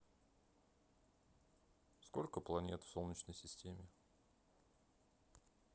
сколько планет в солнечной системе